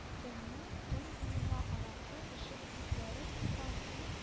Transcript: Төннең-төн буена аракы эчеп күзләре тонган туй